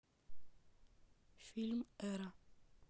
фильм эра